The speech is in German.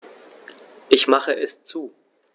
Ich mache es zu.